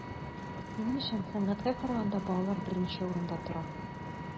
Минем өчен сәнгатькә караганда балалар беренче урында тора.